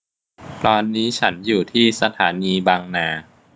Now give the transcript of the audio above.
ตอนนี้ฉันอยู่ที่สถานีบางนา